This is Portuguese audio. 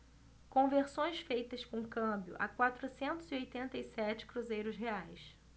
conversões feitas com câmbio a quatrocentos e oitenta e sete cruzeiros reais